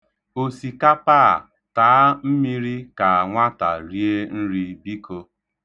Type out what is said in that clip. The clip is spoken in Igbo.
Osikapa a, taa mmiri ka nwata rie nri, biko!